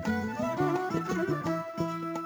San